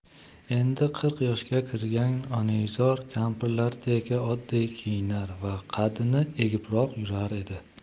endi qirq yoshga kirgan onaizor kampirlardek odmi kiyinar va qaddini egibroq yurar edi